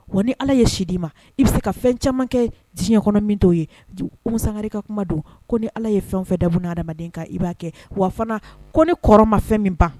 Wa ni ala ye si' i ma i bɛ se ka fɛn caman kɛ diɲɛ kɔnɔ min'o ye mu sanga ka kuma don ko ni ala ye fɛn fɛ dabuuna adamadamaden kan i b'a kɛ wa fana ko ni kɔrɔ ma fɛn min ban